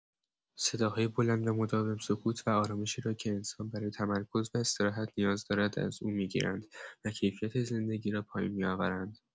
صداهای بلند و مداوم، سکوت و آرامشی را که انسان برای تمرکز و استراحت نیاز دارد، از او می‌گیرند و کیفیت زندگی را پایین می‌آورند.